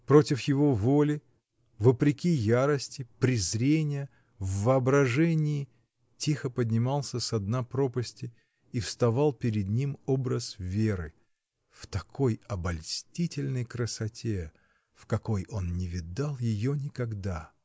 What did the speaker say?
Против его воли, вопреки ярости, презрению, в воображении — тихо поднимался со дна пропасти и вставал перед ним образ Веры в такой обольстительной красоте, в какой он не видал ее никогда!